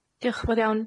Dioch yn fowr iawn.